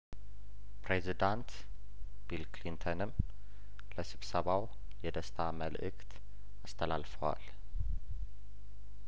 ፕሬዝዳንት ቢል ክሊንተንም ለስብሰባው የደስታ መልእክት አስተላልፈዋል